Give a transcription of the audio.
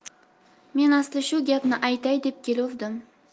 men asli shu gapni aytay deb keluvdim